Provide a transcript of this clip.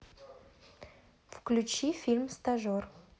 включи фильм стажер